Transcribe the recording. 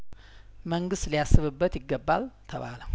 መንግስት ሊያስብበት ይገባል ተባለ